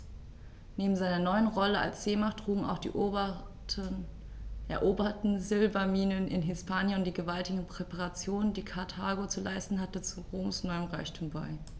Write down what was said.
Neben seiner neuen Rolle als Seemacht trugen auch die eroberten Silberminen in Hispanien und die gewaltigen Reparationen, die Karthago zu leisten hatte, zu Roms neuem Reichtum bei.